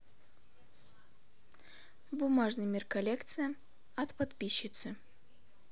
бумажный мир коллекция от подписчицы